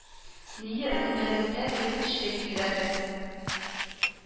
Лия көндәлегендә гел бишле билгеләре